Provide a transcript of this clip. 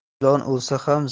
ilon o'lsa ham